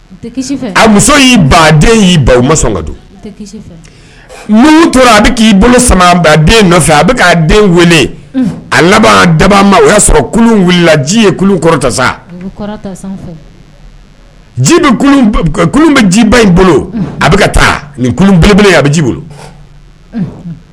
A muso y'i ba y'i ba ma sɔn ka don tora a bɛ ki bolo sama den nɔfɛ a k' den weele a laban daba o y'a sɔrɔ ji ye kɔrɔta sa bɛ jiba in bolo a taa nieleb a bɛ ji bolo